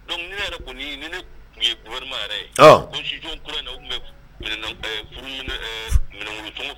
Dɔnkuc ne yɛrɛ kɔni ni ne tun yema yɛrɛ ye ko siɔn kura in o tun bɛ furu minɛnkuru c